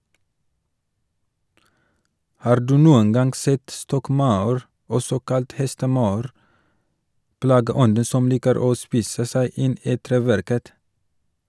Har du noen gang sett stokkmaur, også kalt hestemaur, plageånden som liker å spise seg inn i treverket?